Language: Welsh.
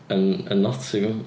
Yn yn Nottingham.